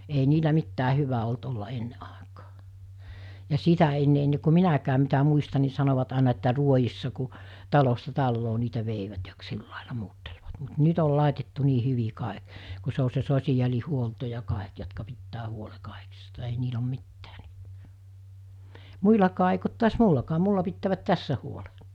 ei niillä mitään hyvä ollut olla ennen aikaa ja sitä ennen ennen kuin minäkään mitä muistan niin sanoivat aina että ruodissa kun talosta taloon niitä veivät ja - sillä lailla muuttelivat mutta nyt oli laitettu niin hyvin kaikki kun se on se sosiaalihuolto ja kaikki jotka pitää huolen kaikista ei niillä ole mitään nyt muillakaan eikä ole taas minullakaan minulla pitävät tässä huolen